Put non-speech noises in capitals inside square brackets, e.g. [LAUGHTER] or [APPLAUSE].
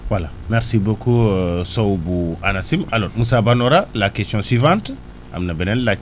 voilà merci beaucoup [HESITATION] Sow bu ANACIM alors Moussa Banora la question suivante am na beneen laaj